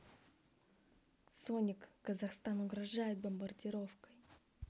sonic казахстан угрожает бомбардировкой